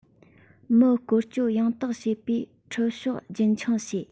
མི བཀོལ སྤྱོད ཡང དག བྱེད པའི ཁྲིད ཕྱོགས རྒྱུན འཁྱོངས བྱས